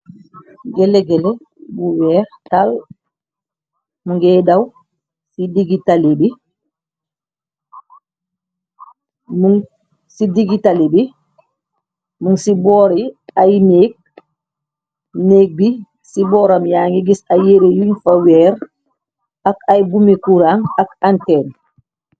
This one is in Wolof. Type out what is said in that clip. géle gele bu weex tal mu ngy daw ci digitali bi mun ci boori ayné bi ci booram yaa ngi gis ay yere yuñ fa weer ak ay bumi kuran ak antèn